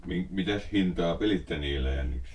- mitäs hintaa piditte niille jäniksille